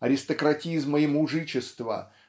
аристократизма и мужичества